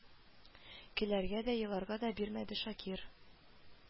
Көләргә дә, еларга да бирмәде Шакир